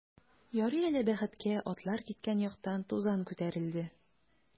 Ярый әле, бәхеткә, атлар киткән яктан тузан күтәрелде.